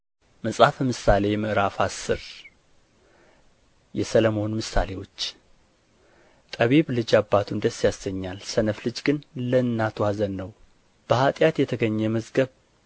መጽሐፈ ምሳሌ ምዕራፍ አስር የሰሎሞን ምሳሌዎች ጠቢብ ልጅ አባቱን ደስ ያሰኛል ሰነፍ ልጅ ግን ለእናቱ ኀዘን ነው በኃጢአት የተገኘ መዝገብ